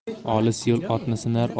olis yo'l otni sinar